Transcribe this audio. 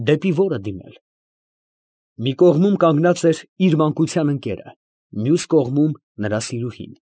Դեպի ո՞րը դիմել։ Մի կողմում կանգնած էր իր մանկության ընկերը, մյուս կողմում ֊ նրա սիրուհին։